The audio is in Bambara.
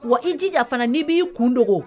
Wa i jija fana n'i b'i kun dɔgɔ